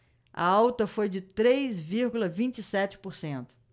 a alta foi de três vírgula vinte e sete por cento